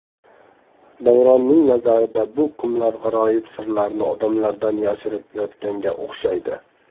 davronning nazarida bu qumlar g'aroyib sirlarini odamlardan yashirib yotganga o'xshaydi